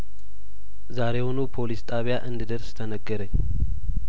ዛሬውኑ ፖሊስ ጣቢያ እንድ ደርስ ተነገረኝ